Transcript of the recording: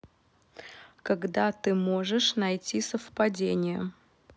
когда ты можешь найти совпадения